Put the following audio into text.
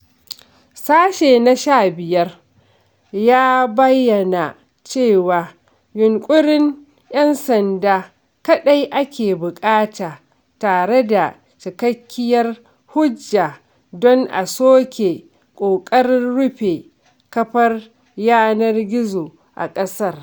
Sashe na 15a ya bayyana cewa "yunƙurin" 'yan sanda kaɗai ake buƙata tare da "cikakkiyar hujja" don a soke ƙoƙarin rufe kafar yanar gizo a ƙasar.